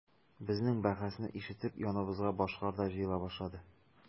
Безнең бәхәсне ишетеп яныбызга башкалар да җыела башлады.